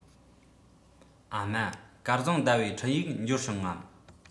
ཨ མ སྐལ བཟང ཟླ བའི འཕྲིན ཡིག འབྱོར བྱུང ངམ